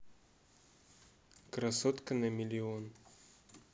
красотка на миллион